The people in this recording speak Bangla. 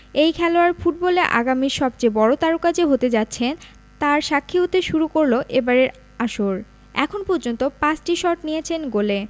এই খেলোয়াড় ফুটবলে আগামীর সবচেয়ে বড় তারকা যে হতে যাচ্ছেন তার সাক্ষী হতে শুরু করল এবারের আসর এখন পর্যন্ত ৫টি শট নিয়েছেন গোলে